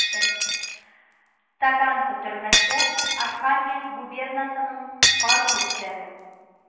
Таганка төрмәсе, Архангельск губернасының кар көртләре